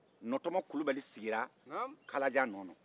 nɔtɔmɔ kulibali sigira kalajan nɔ na